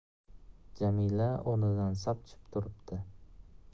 jamila o'rnidan sapchib turibdi